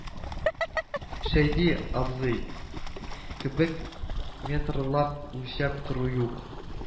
Шәйди абзый кебек метрлап үлчәп тору юк